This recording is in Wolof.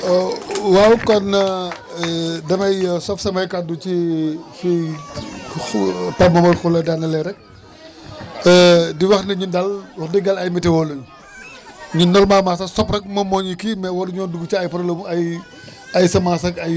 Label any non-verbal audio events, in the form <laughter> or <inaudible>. <applause> <hesitation> waaw kon <hesitation> damay sof samay kaddu ci <hesitation> fi <hesitation> Pape Momar Khoule daanelee rek <crosstalk> <hesitation> di wax ne ñun daal wax dëgg yàlla ay météo la ñu <crosstalk> ñun normalement sax sob rek moom moo ñu kii mais waruñu woon dugg ci ay problème mu ay ay semence ak ay